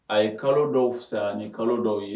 A ye kalo dɔw fusaya ni kalo dɔw ye